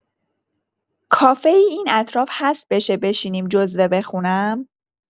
کافه‌ای این اطراف هست بشه بشینم جزوه بخونم؟